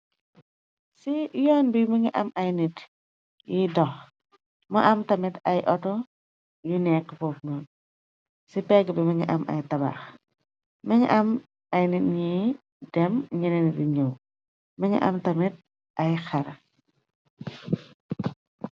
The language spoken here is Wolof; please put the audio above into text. Ci yoon bi mu ngi am ay nit yiy dox, mo am tamit ay auto yu nèkka fofnoon ci pegga bi mungi am ay tabaax mugii am ay nit ñi dem ñenen nit yu ñëw mungi am tamit ay xarr.